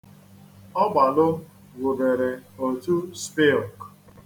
Ọgbalụ wubere òtù S.P.I.L.C.